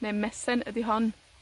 Ne' mesen ydi hon.